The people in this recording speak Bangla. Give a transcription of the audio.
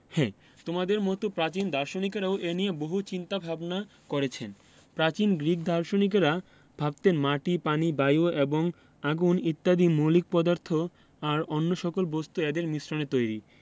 হ্যাঁ তোমাদের মতো প্রাচীন দার্শনিকেরাও এ নিয়ে বহু চিন্তা ভাবনা করেছেন প্রাচীন গ্রিক দার্শনিকেরা ভাবতেন মাটি পানি বায়ু এবং আগুন ইত্যাদি মৌলিক পদার্থ আর অন্য সকল বস্তু এদের মিশ্রণে তৈরি